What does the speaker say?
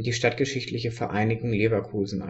Stadtgeschichtliche Vereinigung e.V., Leverkusen